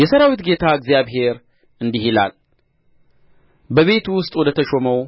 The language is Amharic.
የሠራዊት ጌታ እግዚአብሔር የሠራዊት ጌታ እግዚአብሔር እንዲህ ይላል በቤቱ ውስጥ ወደ ተሾመው